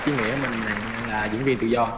diễn viên tự do ạ